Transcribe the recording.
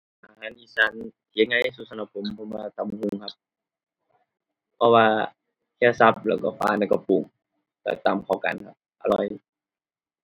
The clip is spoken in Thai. อาหารอีสานที่เฮ็ดง่ายที่สุดสำหรับผม ผมว่าตำบักหุ่งครับ เพราะว่าแค่สับ แล้วก็ฝาน แล้วก็ปรุง แล้วตำเข้ากันครับ อร่อย